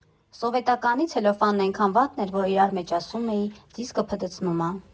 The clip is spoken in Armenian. Սովետականի ցելոֆանն էնքան վատն էր, որ իրար մեջ ասում էի՝ «դիսկը փդցնում ա»։